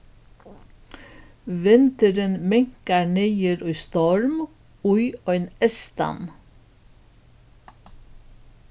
vindurin minkar niður í storm í ein eystan